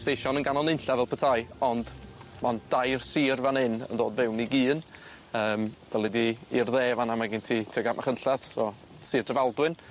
Stasion yn ganol nunlla fel petai ond ma' o'n dair sir fan 'yn yn dod fewn i gun yym gweli di i'r dde fan 'na ma' gen ti tuag at Machynllath so Sir Drefaldwyn.